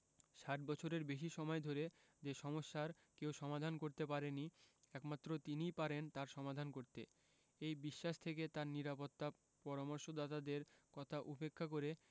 ৬০ বছরের বেশি সময় ধরে যে সমস্যার কেউ সমাধান করতে পারেনি একমাত্র তিনিই পারেন তার সমাধান করতে এই বিশ্বাস থেকে তাঁর নিরাপত্তা পরামর্শদাতাদের কথা উপেক্ষা করে